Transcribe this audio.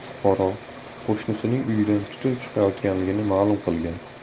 fuqaro qo'shnisining uyidan tutun chiqayotganligini ma'lum qilgan